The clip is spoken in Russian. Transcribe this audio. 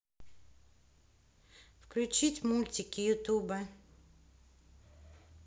включить мультики ютуба